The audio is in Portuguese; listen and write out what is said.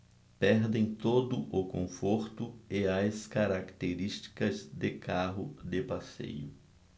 perdem todo o conforto e as características de carro de passeio